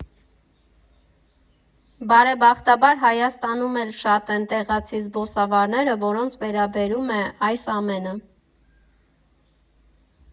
Բարեբախտաբար, Հայաստանում էլ շատ են տեղացի զբոսավարները, որոնց վերաբերում է այս ամենը։